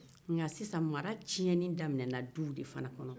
nka sisan mara tiɲɛni daminɛ na duw de fana kɔnɔ